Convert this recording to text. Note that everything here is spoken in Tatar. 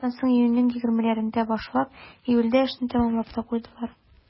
Сабантуйдан соң, июньнең 20-ләрендә башлап, июльдә эшне тәмамлап та куйдылар.